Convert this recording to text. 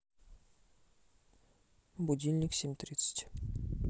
будильник семь тридцать